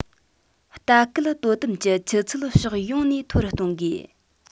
ལྟ སྐུལ དོ དམ གྱི ཆུ ཚད ཕྱོགས ཡོངས ནས མཐོ རུ གཏོང དགོས